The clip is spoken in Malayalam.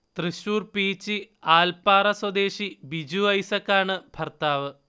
തൃശൂർ പീച്ചി ആൽപ്പാറ സ്വദേശി ബിജു ഐസക് ആണ് ഭർത്താവ്